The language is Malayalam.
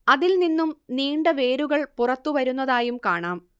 അതിൽ നിന്നും നീണ്ട വേരുകൾ പുറത്തു വരുന്നതായും കാണാം